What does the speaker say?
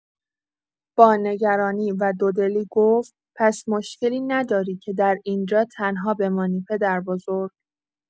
با نگرانی و دودلی گفت: «پس مشکلی نداری که در این‌جا تنها بمانی پدربزرگ؟»